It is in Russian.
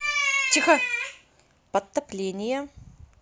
подтопление